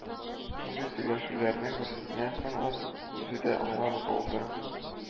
Шундый сөйләшүләрнең берсеннән соң ул үзе дә аңламый калды